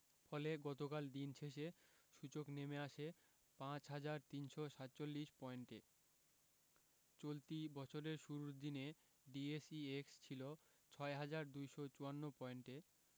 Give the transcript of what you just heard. ফলে গতকাল দিন শেষে সূচক নেমে আসে ৫ হাজার ৩৪৭ পয়েন্টে চলতি বছরের শুরুর দিনে ডিএসইএক্স ছিল ৬ হাজার ২৫৪ পয়েন্টে